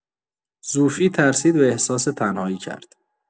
زوفی ترسید و احساس تنهایی کرد.